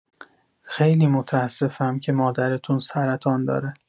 خیلی متاسفم که مادرتون سرطان داره.